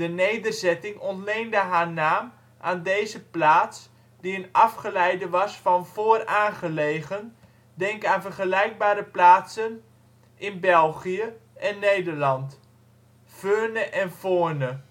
nederzetting ontleende haar naam aan deze plaats die een afgeleide was van ‘vooraangelegen’, denk maar aan vergelijkbare plaatsen in België en Nederland: Veurne en Voorne